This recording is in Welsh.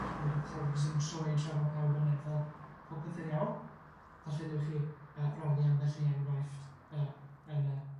Cymryd y cogs yn troi tra fo' pawb yn meddwl. Popeth yn iawn. Falle newch chi yy rannu ambell i enghraifft yy yn y